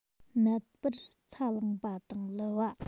ནད པར ཚ ལངས པ དང ལུ བ